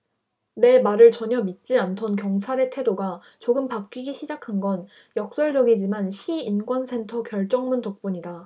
내 말을 전혀 믿지 않던 경찰의 태도가 조금 바뀌기 시작한 건 역설적이지만 시 인권센터 결정문 덕분이다